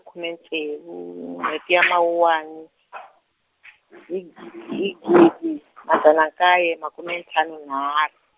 khume ntsevu n'wheti ya Mawuwani, hi gi-, hi gidi madzana nkaye makume ntlhanu nharhu.